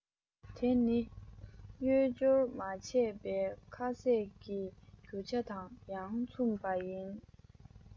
དེ ནི གཡོས སྦྱོར མ བྱས པའི ཁ ཟས ཀྱི རྒྱུ ཆ དང ཡང མཚུངས པ ཡིན